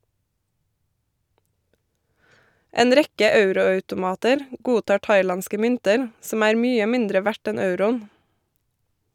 En rekke euro-automater godtar thailandske mynter , som er mye mindre verdt enn euroen.